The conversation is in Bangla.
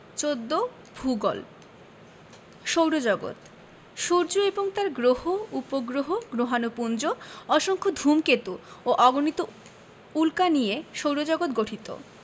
১৪ ভূগোল সৌরজগৎ সূর্য এবং তার গ্রহ উপগ্রহ গ্রহাণুপুঞ্জ অসংখ্য ধুমকেতু ও অগণিত উল্কা নিয়ে সৌরজগৎ গঠিত